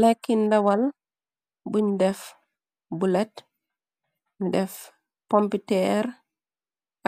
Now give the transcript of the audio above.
Lekki ndawal buñ def bulet def pompiteer